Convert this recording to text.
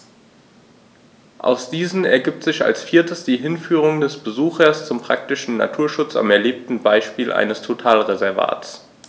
Aus diesen ergibt sich als viertes die Hinführung des Besuchers zum praktischen Naturschutz am erlebten Beispiel eines Totalreservats.